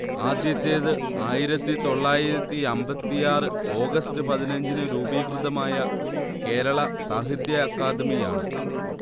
ആദ്യത്തേത് ആയിരത്തി തൊള്ളായിരത്തിയമ്പത്തിയാറ് ഓഗസ്റ്റ് പതിനഞ്ച്നു രൂപീകൃതമായ കേരള സാഹിത്യ അക്കാദമി യാണ്